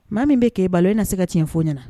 Maa min bɛ k'e balo e na se ka tiɲɛ fɔ o ɲɛna